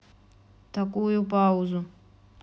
такую паузу